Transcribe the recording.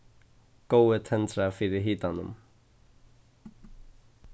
góði tendra fyri hitanum